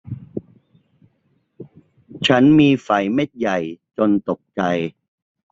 ฉันมีไฝเม็ดใหญ่จนตกใจ